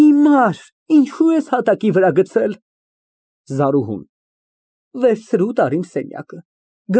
Հիմար, ինչո՞ւ ես հատակի վրա գցել։ (Զարուհի) Վերցրու, տար իմ սենյակը։